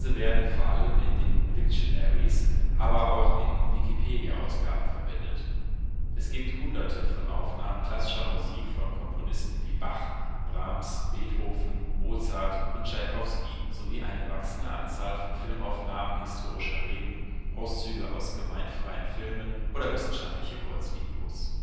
werden vor allem in den Wiktionaries, aber auch in Wikipedia-Ausgaben verwendet. Es gibt hunderte von Aufnahmen klassischer Musik von Komponisten wie Bach, Brahms, Beethoven, Mozart und Tschaikowski sowie eine wachsende Anzahl von Filmaufnahmen historischer Reden, Auszüge aus gemeinfreien Filmen oder wissenschaftliche Kurzvideos